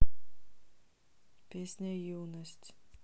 песня юность